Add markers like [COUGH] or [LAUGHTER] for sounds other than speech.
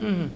[HESITATION] [HESITATION]